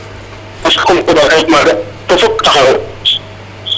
parce que a koƥ ala ref maaga to fop taxar o .